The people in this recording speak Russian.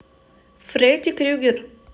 фредди крюгер